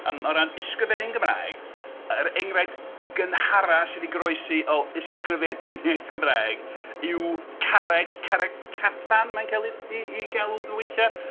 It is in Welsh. O ran ysgrifennu yn Gymraeg, yr enghraifft gynhara sy 'di goroesi o ysgrifennu yn iaith Gymraeg yw Carreg... Carreg Cadfan mae'n cael ei... ei galw weithiau.